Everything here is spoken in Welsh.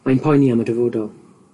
Mae'n poeni am y dyfodol.